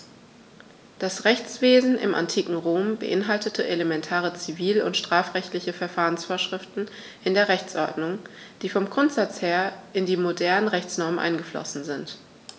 Das Rechtswesen im antiken Rom beinhaltete elementare zivil- und strafrechtliche Verfahrensvorschriften in der Rechtsordnung, die vom Grundsatz her in die modernen Rechtsnormen eingeflossen sind.